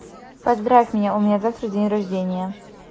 поздравь меня у меня завтра день рождения